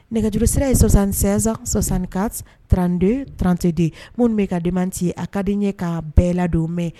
Nɛgɛjurusi sira ye sɔsan2san sɔsan ka trante trante de minnu bɛ ka diti a kaden ye ka bɛɛ ladon mɛn